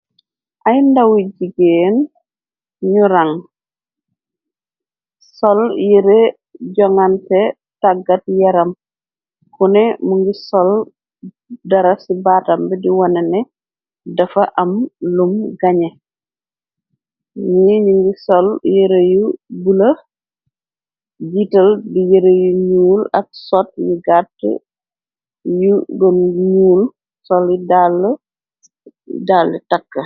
Ay ndawuy jigeen, ñu ràŋ, sol yëre joŋgante tàggat yaram, kone mu ngi sol dara ci baatamb di wonane dafa am lum gañe, ni ñi ngi sol yëre yu bula, jiital di yëre yu ñuul, ak sot yu gàtt, yu gon ñuul soli dàll tàkk.